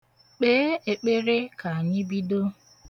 Kpee ekpere ka anyị bido.